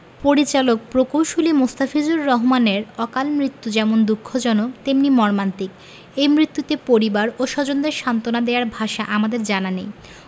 পরিচালক প্রকৌশলী মোস্তাফিজুর রহমানের অকালমৃত্যু যেমন দুঃখজনক তেমনি মর্মান্তিক এই মৃত্যুতে পরিবার ও স্বজনদের সান্তনা দেয়ার ভাষা আমাদের জানা নেই